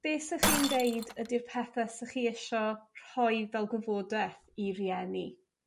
beth 'sych chi'n d'eud ydi'r petha' 'sych chi isio rhoi fel gwyfod'eth i rieni?